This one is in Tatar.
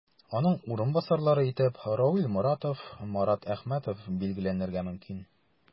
Аның урынбасарлары итеп Равил Моратов, Марат Әхмәтов билгеләнергә мөмкин.